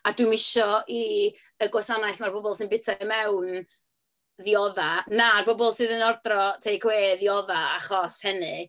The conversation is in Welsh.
A dwi'm isio i y gwasanaeth mae'r bobl sy'n byta i mewn ddioddef, na'r bobl sydd yn ordro tecawê ddioddef achos hynny.